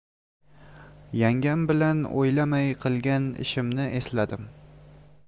yangam bilan o'ylamay qilgan ishimni esladim